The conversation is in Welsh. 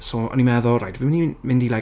So o'n i'n meddwl "reit fi'n mynd i... mynd i like"...